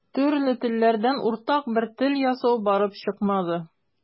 Төрле телләрдән уртак бер тел ясау барып чыкмады.